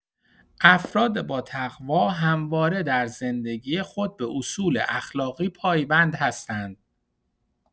افراد باتقوا همواره در زندگی خود به اصول اخلاقی پایبند هستند.